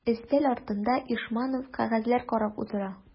Өстәл артында Ишманов кәгазьләр карап утыра.